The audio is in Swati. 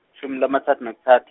shumi lamatsatfu nakutsatfu.